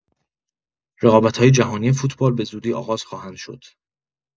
رقابت‌های جهانی فوتبال به‌زودی آغاز خواهند شد.